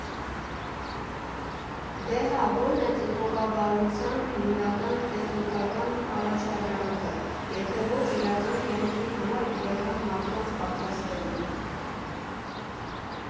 Դե հա, որն է ծնողավարության հիմնական տեխնիկական առաջադրանքը, եթե ոչ իրական կյանքի համար իրական մարդկանց պատրաստելը։